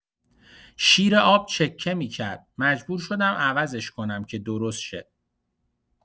شیر آب چکه می‌کرد، مجبور شدم عوضش کنم که درست شه.